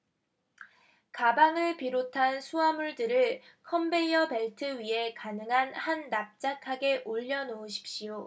가방을 비롯한 수하물들을 컨베이어 벨트 위에 가능한 한 납작하게 올려놓으십시오